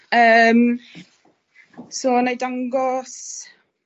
yym so nâi dangos